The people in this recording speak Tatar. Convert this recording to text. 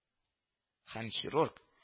Һәм хирург